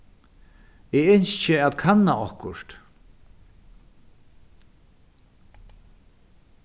eg ynski at kanna okkurt